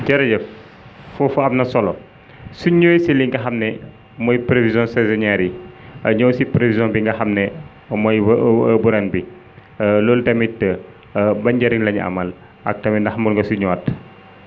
jërëjëf foofu am na solo suñ ñëwee si li nga xam ne mooy prévisions saisonières yi ñëw si prévision bi nga xam ne moom mooy bu bu ren bi loolu tamit ban njëriñ la ñu amal ak tamit ndax mën nga si ñëwaat